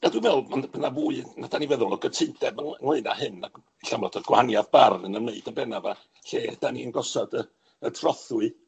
A dwi'n me'wl ma'n ma' 'na fwy na 'dan ni'n feddwl o gytundeb yngl- ynglŷn â hyn, ac ella mod y gwahaniaeth barn yn ymwneud yn bennaf â lle 'dan ni'n gosod y y trothwy.